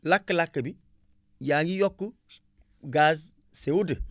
lakk-lakk bi yaa ngi yokku gaz CO2